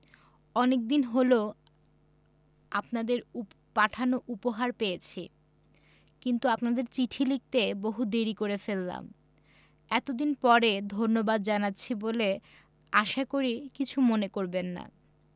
অনেকদিন হল আপনাদের পাঠানো উপহার পেয়েছি কিন্তু আপনাদের চিঠি লিখতে বহু দেরী করে ফেললাম এতদিন পরে ধন্যবাদ জানাচ্ছি বলে আশা করি কিছু মনে করবেন না